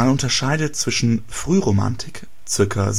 unterscheidet zwischen Frühromantik (ca.